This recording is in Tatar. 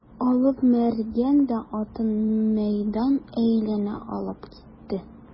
Алып Мәргән дә атын мәйдан әйләнә алып китте.